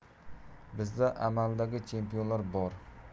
bizda amaldagi chempionlar bor